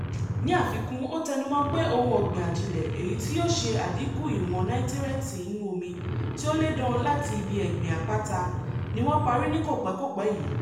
Ní àfikún, ó tẹnumọ́ọ pé ohun ọ̀gbìn ajílẹ̀, èyí tí yóò ṣe àdínkù ìwọ̀n náítírèètì inú omi tí ó lédan láti ibi ẹ̀gbin àpáta, ni wọ́n parí ní kòpẹ́kòpẹ́ yìí.